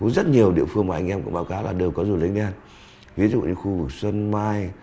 cũng rất nhiều địa phương mà anh em cũng báo cáo là đều có vụ lấy men ví dụ như khu xuân mai